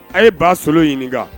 A' ye baso ɲini